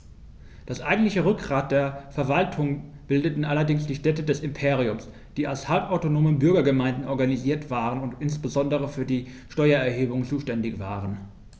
Das eigentliche Rückgrat der Verwaltung bildeten allerdings die Städte des Imperiums, die als halbautonome Bürgergemeinden organisiert waren und insbesondere für die Steuererhebung zuständig waren.